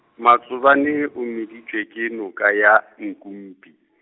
Matsobane, o meditšwe ke noka ya, Nkumpi.